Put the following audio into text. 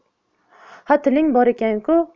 ha tiling bor ekan ku